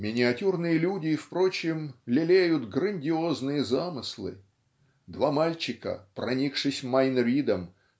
" Миниатюрные люди, впрочем, лелеют грандиозные замыслы. Два мальчика проникшись Майн Ридом